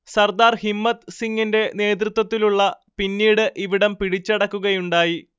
സർദാർ ഹിമ്മത്ത് സിങ്ങിന്റെ നേതൃത്വത്തിലുള്ള പിന്നീട് ഇവിടം പിടിച്ചടക്കുകയുണ്ടായി